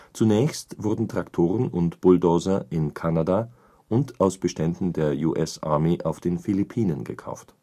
Zunächst wurden Traktoren und Bulldozer in Kanada und aus Beständen der US Army auf den Philippinen gekauft